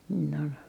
niin on